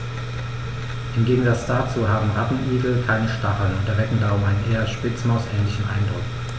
Im Gegensatz dazu haben Rattenigel keine Stacheln und erwecken darum einen eher Spitzmaus-ähnlichen Eindruck.